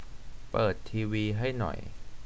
เปิดทีวีให้หน่อย